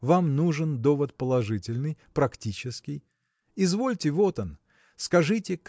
вам нужен довод положительный, практический извольте, вот он скажите